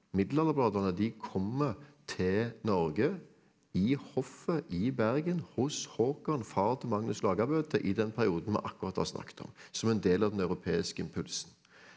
middelalderballadene de kommer til Norge i hoffet i Bergen hos Håkon, far til Magnus Lagabøte, i den perioden vi akkurat har snakket om, som en del av den europeiske impulsen.